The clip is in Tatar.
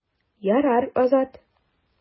Ярар, Азат.